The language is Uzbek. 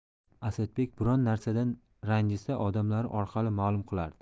asadbek biron narsadan ranjisa odamlari orqali ma'lum qilardi